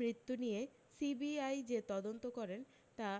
মৃত্যু নিয়ে সিবিআই যে তদন্ত করেন তা